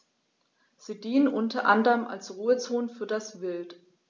Sie dienen unter anderem als Ruhezonen für das Wild.